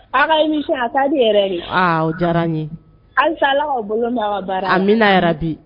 Ala i a ka di yɛrɛ o diyara n ye ansa ala ka bolo na baara a bɛna yɛrɛ bi